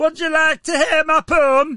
Would you like to hear my poem?